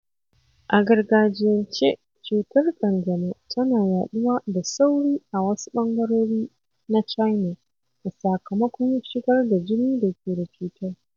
A gargajiyance, cutar ƙanjamau tana yaɗuwa da sauri a wasu ɓangarori na China a sakamakon shigar da jini da ke da cutar.